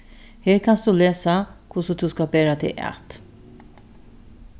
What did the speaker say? her kanst tú lesa hvussu tú skalt bera teg at